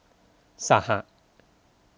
สห